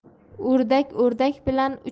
o'rdak o'rdak bilan uchar